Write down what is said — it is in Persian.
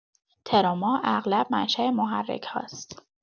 تروما اغلب منشا محرک‌هاست.